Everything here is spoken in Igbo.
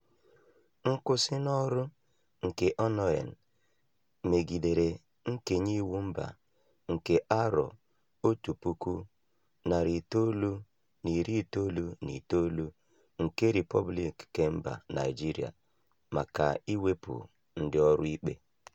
Nkwụsị n'ọru nke Onnoghen megidere nkenye Iwu Mba nke 1999 nke Rịpọbliiki Kemba Naịjirịa maka iwepụ ndị ọrụ ikpe.